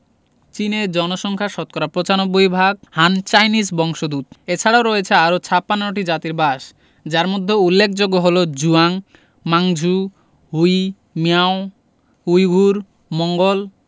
চীনের জনসংখ্যা শতকরা ৯৫ ভাগ হান চাইনিজ বংশোদূত এছারাও রয়েছে আরও ৫৬ টি জাতির বাস যার মধ্যে উল্লেখযোগ্য হলো Zhuang Manchu Hui Miao Uyghur Mongol